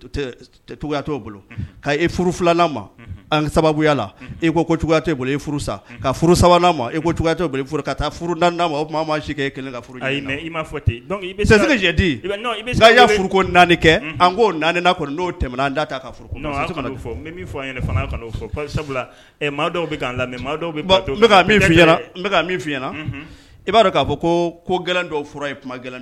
Furu naani kɛ ko tɛmɛna da ta lamɛn ɲɛna i b'a dɔn k'a fɔ ko gɛlɛn dɔw kuma